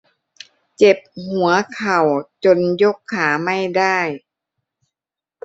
เจ็บหัวเข่าจนยกขาไม่ได้